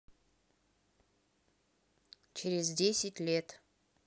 через десять лет